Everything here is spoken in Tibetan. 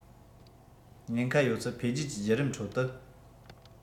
ཉེན ཁ ཡོད ཚད འཕེལ རྒྱས ཀྱི བརྒྱུད རིམ ཁྲོད དུ